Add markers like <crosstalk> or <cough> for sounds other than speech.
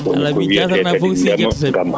<crosstalk> kono ko wiyete kadi ndema ngam